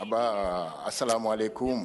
Aba a salama alek